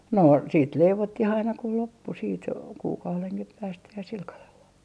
no sitten leivottiin aina kun loppui sitten kuukaudenkin päästä ja sillä kalella vain